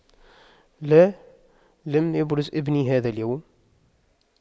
لا لم يبرز ابني هذا اليوم